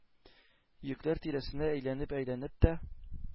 Йөкләр тирәсендә әйләнеп-әйләнеп тә